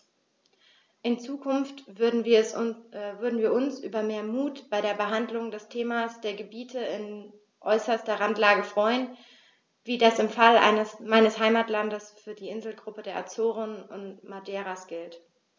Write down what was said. In Zukunft würden wir uns über mehr Mut bei der Behandlung des Themas der Gebiete in äußerster Randlage freuen, wie das im Fall meines Heimatlandes für die Inselgruppen der Azoren und Madeiras gilt.